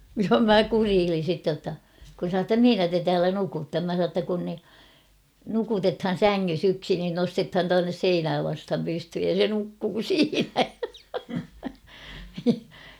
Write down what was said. ja minä kureilin sitten jotta kun sanoin jotta missä te täällä nukutte minä sanoin jotta kun niin nukutetaan sängyssä yksi niin nostetaan tuonne seinää vasten pystyyn ja se nukkuu siinä